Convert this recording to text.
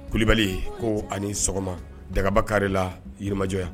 Li kulubali ko ani sɔgɔma dagaba kariale la jirimajɔ